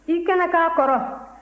i kɛnɛ k'a kɔrɔ